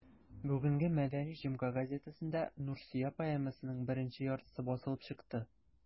Бүгенге «Мәдәни җомга» газетасында «Нурсөя» поэмасының беренче яртысы басылып чыкты.